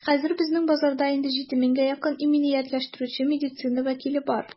Хәзер безнең базада инде 7 меңгә якын иминиятләштерүче медицина вәкиле бар.